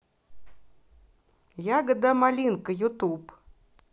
ягода малинка ютуб